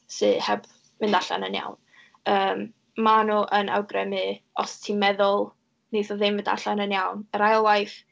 sy heb mynd allan yn iawn. Yym, maen nhw yn awgrymu os ti'n meddwl. wneith o ddim mynd allan yn iawn, yr ail waith...